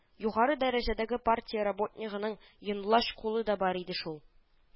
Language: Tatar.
Югары дәрәҗәдәге партия работнигының йонлач кулы да бар иде шул